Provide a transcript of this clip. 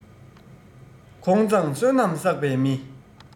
ཁོང མཛངས བསོད ནམས བསགས པའི མི